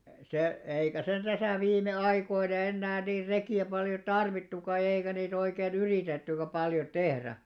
- se eikä sen tässä viime aikoina enää niin rekiä paljon tarvittukaan ja eikä niitä oikein yritettykään paljon tehdä